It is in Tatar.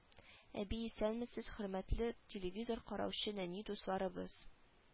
Әби исәнмесез хөрмәтле телевизор караучы нәни дусларыбыз